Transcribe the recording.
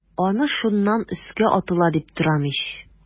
Аны шуннан өскә атыла дип торам ич.